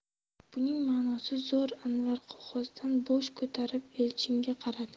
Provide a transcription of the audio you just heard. buning ma'nosi zo'r anvar qog'ozdan bosh ko'tarib elchinga qaradi